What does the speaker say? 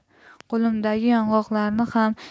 qo'limdagi yong'oqlarni ham